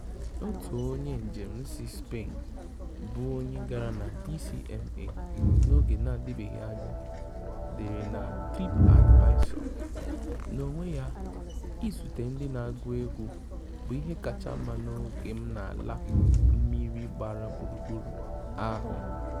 Otu onye njem si Spain, bụ onye gara na DCMA n'oge na-adịbeghị anya, dere na TripAdvisor: "N'onwe ya, izute ndị na-agụ egwú bụ ihe kacha mma n'oge m n'ala mmiri gbara gburugburu" ahụ.